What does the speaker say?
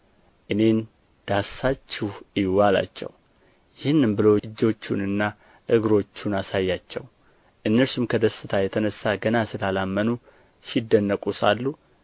እኔን ዳስሳችሁ እዩ አላቸው ይህንም ብሎ እጆቹንና እግሮቹን አሳያቸው እነርሱም ከደስታ የተነሣ ገና ስላላመኑ ሲደነቁ ሳሉ